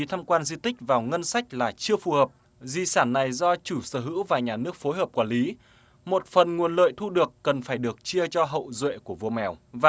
phí tham quan di tích vào ngân sách là chưa phù hợp di sản này do chủ sở hữu và nhà nước phối hợp quản lý một phần nguồn lợi thu được cần phải được chia cho hậu duệ của vua mèo và